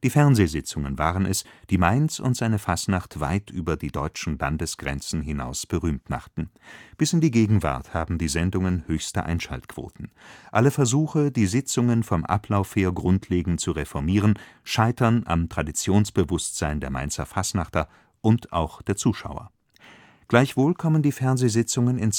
Fernsehsitzungen waren es, die Mainz und seine Fastnacht weit über die deutschen Landesgrenzen hinaus berühmt machten. Bis in die Gegenwart haben die Sendungen höchste Einschaltquoten. Alle Versuche, die Sitzungen vom Ablauf her grundlegend zu reformieren, scheitern am Traditionsbewusstsein der Mainzer Fastnachter und auch der Zuschauer. Gleichwohl kommen die Fernsehsitzungen